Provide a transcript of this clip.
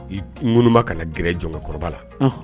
I n ŋunba ka g jɔn kɔrɔ la